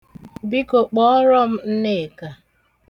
Biko kpọọrọ m Nnekà.